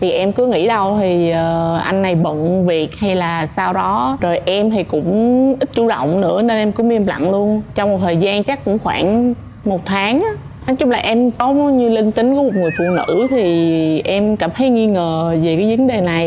thì em cữ nghĩ đâu thì à anh này bận việc hay là sao đó rồi em thì cũng ít chủ động nữa nên em cũng im lặng luôn trong một thời gian chắc cũng khoảng một tháng á nói chung là em có linh tính của một người phụ nữ thì em cảm thấy nghi ngờ về cái vấn đề này